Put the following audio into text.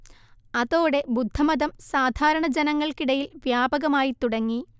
അതോടെ ബുദ്ധമതം സാധാരണ ജനങ്ങൾക്കിടയിൽ വ്യാപകമായിത്തുടങ്ങി